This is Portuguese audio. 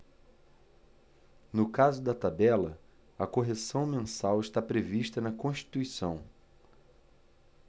no caso da tabela a correção mensal está prevista na constituição